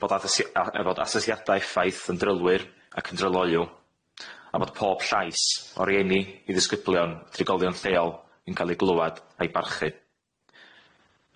bod asesi- a- fod asesiada effaith yn drylwyr ac yn dryloyw a bod pob llais, o rieni i ddisgyblion, trigolion lleol yn ca'l 'i glywad a'i barchu.